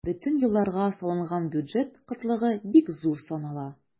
Бөтен елларга салынган бюджет кытлыгы бик зур санала.